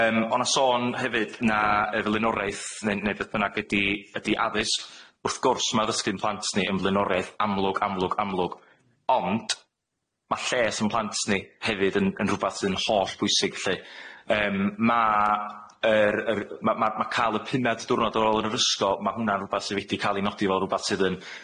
Yym o' 'na sôn hefyd na yy flaenoriaeth ne' ne' beth bynnag ydi ydi addysg. Wrth gwrs ma' dysgu'n plant ni yn flaenoriaeth amlwg amlwg amlwg ond, ma' lles yn plant ni hefyd yn yn rwbath sy'n holl bwysig lly yym ma' yr yr ma' ma' ma' ca'l y pumed diwrnod yn ôl yn yr ysgol ma' hwnna'n rwbath sydd wedi ca'l i nodi fel rwbath sydd yn